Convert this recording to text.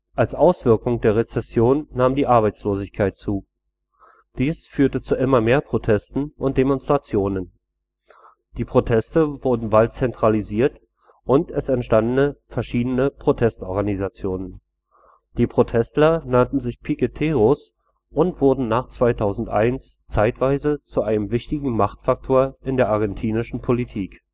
Als Auswirkung der Rezession nahm die Arbeitslosigkeit zu. Das führte zu immer mehr Protesten und Demonstrationen. Die Proteste wurden bald zentralisiert und es entstanden verschiedene Protestorganisationen. Die Protestler nannten sich Piqueteros und wurden nach 2001 zeitweise zu einem wichtigen Machtfaktor in der argentinischen Politik